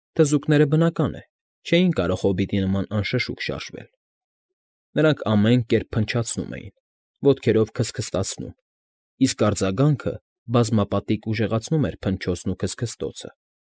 Թզուկները, բնական է, չէին կարող հոբիտի նման անշշուկ շարժվել, նրանք ամեն կերպ փնչացնում էին, ոտքերով քստքստացնում, իսկ արձագանքը բազմապատիկ ուժեղացնում էր փնչոցն ու քստքստոցը։